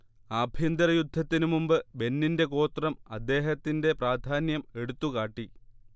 ആഭ്യന്തരയുദ്ധത്തിനുമുമ്പ് ബെന്നിന്റെ ഗോത്രം അദ്ദേഹത്തിന്റെ പ്രാധാന്യം എടുത്തുകാട്ടി